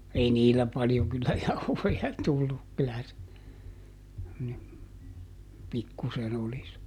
ei niillä paljon kyllä jauhoja tullut kyllä se niin pikkusen oli se